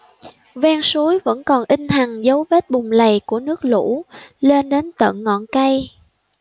ven suối vẫn còn in hằn dấu vết bùn lầy của nước lũ lên đến tận ngọn cây